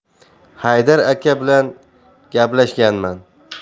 haydar aka bilan gaplashganman